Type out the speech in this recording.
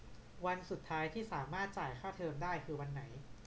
วันสุดท้ายที่สามารถจ่ายค่าเทอมได้คือวันไหน